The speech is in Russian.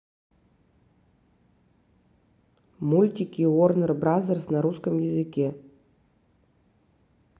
мультики уорнер бразерс на русском языке